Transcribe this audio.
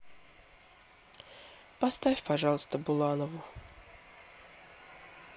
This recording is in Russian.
поставь пожалуйста буланову